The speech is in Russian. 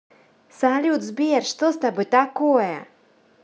салют сбер что с тобой такое